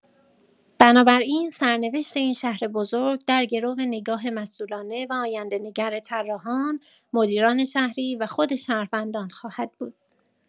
بنابراین سرنوشت این شهر بزرگ در گرو نگاه مسئولانه و آینده‌نگر طراحان، مدیران شهری و خود شهروندان خواهد بود.